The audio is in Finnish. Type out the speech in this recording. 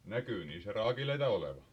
näkyy niissä raakileita olevan